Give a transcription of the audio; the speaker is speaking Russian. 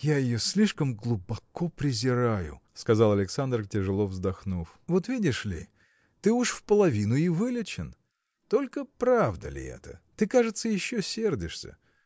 – Я ее слишком глубоко презираю, – сказал Александр, тяжело вздохнув. – Вот видишь ли? ты уж вполовину и вылечен. Только правда ли это? ты, кажется, еще сердишься.